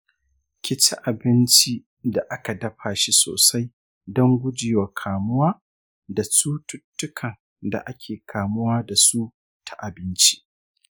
kici abincin da aka dafa shi sosai don gujewa kamuwa da cututtukan da ake kamuwa dasu ta abinci.